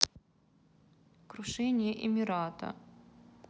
крушение эмирата